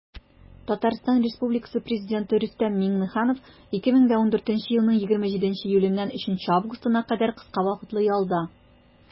Татарстан Республикасы Президенты Рөстәм Миңнеханов 2014 елның 27 июленнән 3 августына кадәр кыска вакытлы ялда.